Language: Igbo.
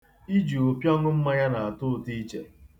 Iji ụpịọ ṅụ mmanya na-atọ ụtọ iche.